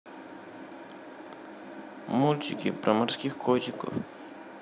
мультики про морских котиков